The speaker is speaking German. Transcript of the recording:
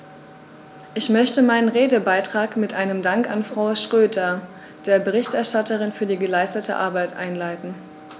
Ich möchte meinen Redebeitrag mit einem Dank an Frau Schroedter, der Berichterstatterin, für die geleistete Arbeit einleiten.